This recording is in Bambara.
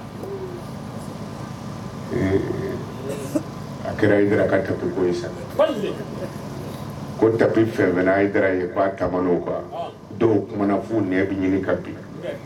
A kɛra Haidara ka tapis ko ye sa balik ko tapis fɛnfɛnna Haidara ye ko a taama n'o kan ɔnhɔn dɔw kumana f'u nɛn bi ɲini ka bin unkɛ